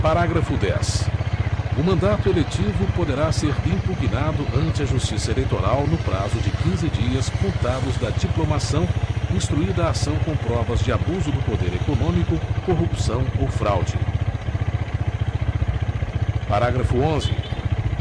parágrafo dez o mandato eletivo poderá ser impugnado ante a justiça eleitoral no prazo de quinze dias contados da diplomação instruída a ação com provas de abuso do poder econômico corrupção ou fraude parágrafo onze